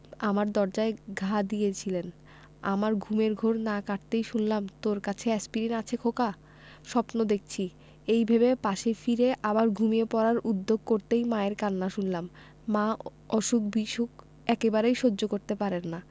আমার দরজায় ঘা দিয়েছিলেন আমার ঘুমের ঘোর না কাটতেই শুনলাম তোর কাছে এ্যাসপিরিন আছে খোকা স্বপ্ন দেখছি এই ভেবে পাশে ফিরে আবার ঘুমিয়ে পড়ার উদ্যোগ করতেই মায়ের কান্না শুনলাম মা অসুখ বিসুখ একেবারেই সহ্য করতে পারেন না